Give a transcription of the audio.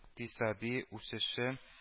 Икътисади үсеше